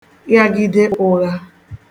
ghagide ụ̄ghā